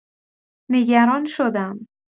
نگران شدم.